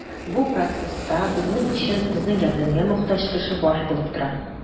Бу процесста безнең өчен безнең ярдәмгә мохтаҗ кеше баш булып тора.